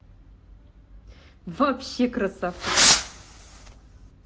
вообще красавчик